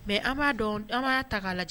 Mɛ an b'a dɔn an'a ta k'a lajɛ